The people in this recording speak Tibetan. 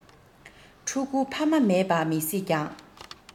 ཕྲུ གུ ཕ མ མེད པ མི སྲིད ཀྱང